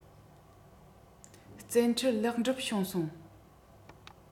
བཙན ཁྲིད ལེགས འགྲུབ བྱུང སོང